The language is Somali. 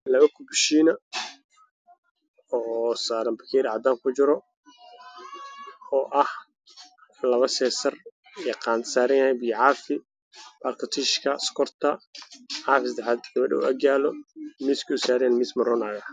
Waa miis waxaa saran labo saxan OO Cadaan ah waxaa dusha ka saaran labo bakeeri OO dhala ah